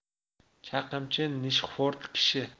chaqimchi nishxo'rd kishi